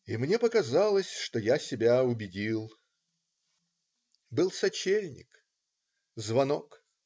" И мне показалось, что я себя убедил. .. Был сочельник. Звонок.